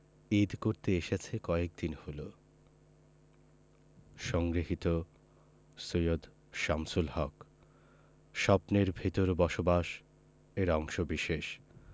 ঈদ করতে এসেছে কয়েকদিন হলো সংগৃহীত সৈয়দ শামসুল হক স্বপ্নের ভেতরে বসবাস এর অংশবিশেষ